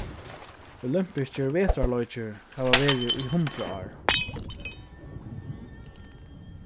olympiskir vetrarleikir hava verið í hundrað ár